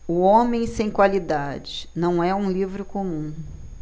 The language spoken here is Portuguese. o homem sem qualidades não é um livro comum